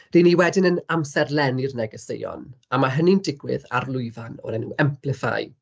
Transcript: Ry' ni wedyn yn amserlennu'r negeseuon, a ma' hynny'n digwydd ar lwyfan o'r enw Amplify.